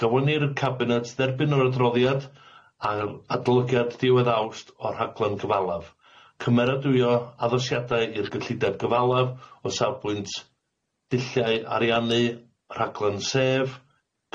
Gowynir y Cabinet dderbyn yr adroddiad a'r adolygiad diwedd Awst o'r rhaglen gyfalaf, cymeradwyo addosiadau i'r gyllide gyfalaf o safbwynt dulliau ariannu rhaglen sef,